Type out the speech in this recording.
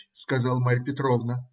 сказала Марья Петровна,